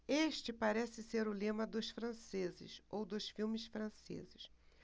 este parece ser o lema dos franceses ou dos filmes franceses